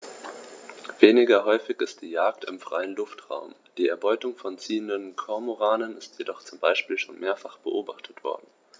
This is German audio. Weniger häufig ist die Jagd im freien Luftraum; die Erbeutung von ziehenden Kormoranen ist jedoch zum Beispiel schon mehrfach beobachtet worden.